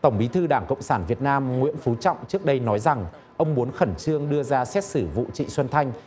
tổng bí thư đảng cộng sản việt nam nguyễn phú trọng trước đây nói rằng ông muốn khẩn trương đưa ra xét xử vụ trịnh xuân thanh